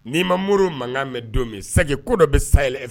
Ni'i mamuru mankan bɛ don min ko dɔ bɛ saya